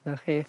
'Na chi.